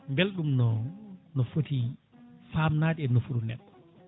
beelɗum no no foti famnade e nofuru neɗɗo